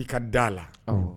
I ka da a la